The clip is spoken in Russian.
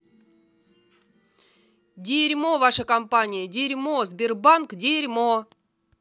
дерьмо ваша компания дерьмо сбербанк дерьмо